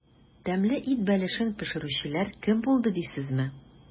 Тәмле ит бәлешен пешерүчеләр кем булды дисезме?